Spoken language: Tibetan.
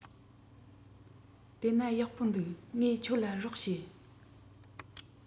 དེ ན ཡག པོ འདུག ངས ཁྱོད ལ རོགས བྱེད